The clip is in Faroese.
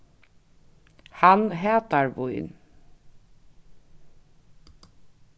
hann hatar vín